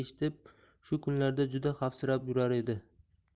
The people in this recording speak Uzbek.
eshitib shu kunlarda juda xavfsirab yurar edi